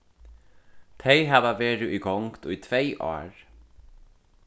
tey hava verið í gongd í tvey ár